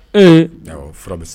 Ee fura bɛ